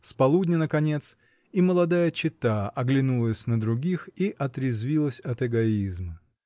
С полудня наконец и молодая чета оглянулась на других и отрезвилась от эгоизма.